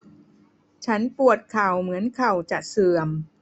ฉันปวดเข่าเหมือนเข่าจะเสื่อม